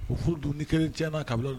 U furu dun ni kelen tiɲɛna kabila